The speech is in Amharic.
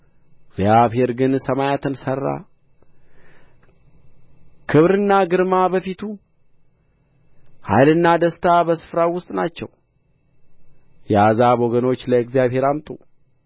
እግዚአብሔር ግን ሰማያትን ሠራ ክብርና ግርማ በፊቱ ኃይልና ደስታ በስፍራው ውስጥ ናቸው የአሕዛብ ወገኖች ለእግዚአብሔር አምጡ ክብርንና ኃይልን ለእግዚአብሔር አምጡ ለስሙ የሚገባ